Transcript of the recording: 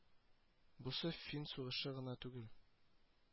Бусы фин сугышы гына түгел